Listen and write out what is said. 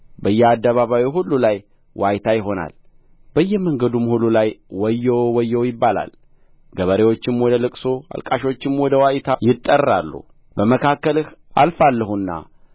በየአደባባዩ ሁሉ ላይ ዋይታ ይሆናል በየመንገዱም ሁሉ ላይ ወዮ ወዮ ይባላል ገበሬዎቹም ወደ ልቅሶ አልቃሾቹም ወደ ዋይታ ይጠራሉ በመካከልህ አልፋለሁና